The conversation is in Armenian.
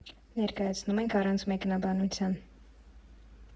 Ներկայացնում ենք առանց մեկնաբանության.